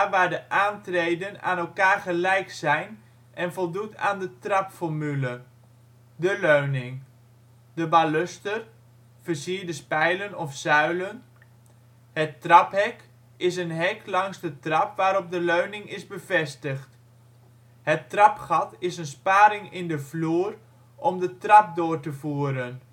waar de aantreden aan elkaar gelijk zijn en voldoet aan de trapformule. De leuning. De baluster (versierde spijlen of zuilen). Het traphek is een hek langs de trap waarop de leunig is bevestigd. Het trapgat is een sparing in de vloer om de trap door te voeren. Een